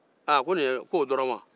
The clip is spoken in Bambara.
aa ko nin ye ko dɔrɔn wa